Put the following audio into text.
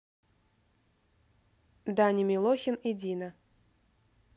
даня милохин и дина